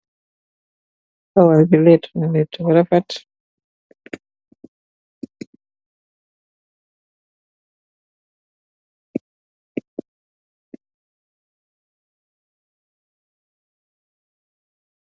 Xawar bi leetu na leetu bu rafet,